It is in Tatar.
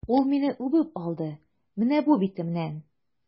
Ул мине үбеп алды, менә бу битемнән!